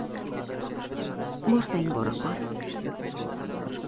borsang bora qol